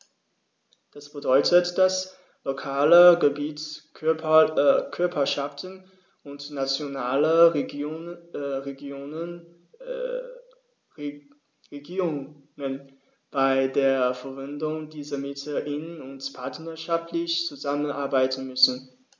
Das bedeutet, dass lokale Gebietskörperschaften und nationale Regierungen bei der Verwendung dieser Mittel eng und partnerschaftlich zusammenarbeiten müssen.